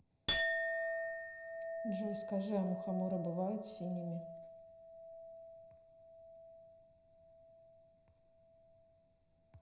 джой скажи а мухоморы бывают синими